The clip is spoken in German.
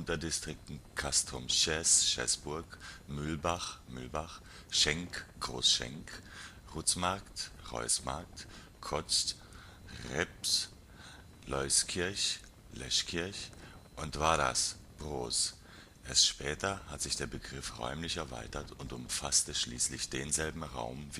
Unterdistrikten „ castrum Sches “(Schäßburg), „ Muehlbach “(Mühlbach), „ Schenk “(Großschenk), „ Ruzmargt “(Reußmarkt), „ Kozd “(Reps), „ Leuskyrch “(Leschkirch) und „ Waras “(Broos). Erst später hat sich der Begriff räumlich erweitert und umfasste schließlich denselben Raum